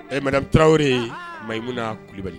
Ɛɛ m tarawelewre ye ma nali kulubali